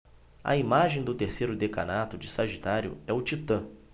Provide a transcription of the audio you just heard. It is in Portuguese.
a imagem do terceiro decanato de sagitário é o titã